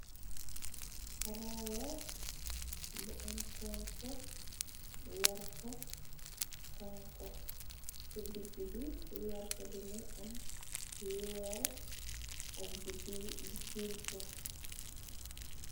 Raya bu am konko, werta, konko, ci digg bi werta bi na am weer, ak bu tiim ko.